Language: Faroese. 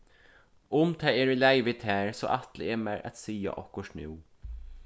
um tað er í lagi við tær so ætli eg mær at siga okkurt nú